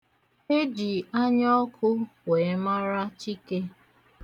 E ji anyaọkụ wee mara Chike.